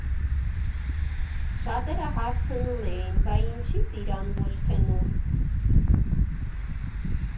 Շատերը հարցնում էին՝ բա ինչի՞ ծիրան, ոչ թե նուռ։